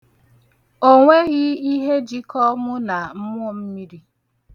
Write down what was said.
Onweghị ihe jikọ mụ na mmụọmmiri.